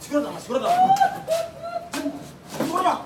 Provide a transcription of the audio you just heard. Nanaso la